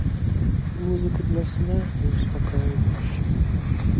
музыка для сна и успокаивающая